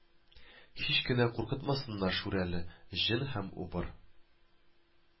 Һич кенә куркытмасыннар Шүрәле, җен һәм убыр